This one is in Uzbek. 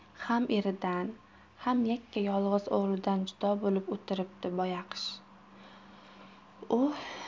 ham eridan ham yakka yolg'iz o'g'lidan judo bo'lib o'tiribdi boyoqish